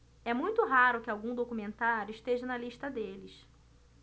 é muito raro que algum documentário esteja na lista deles